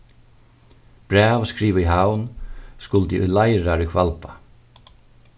bræv skrivað í havn skuldi í leirar í hvalba